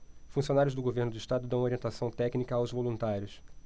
funcionários do governo do estado dão orientação técnica aos voluntários